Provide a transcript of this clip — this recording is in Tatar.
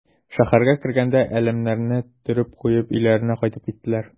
Шәһәргә кергәндә әләмнәрне төреп куеп өйләренә кайтып киттеләр.